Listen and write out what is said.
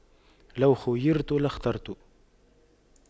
لو خُيِّرْتُ لاخترت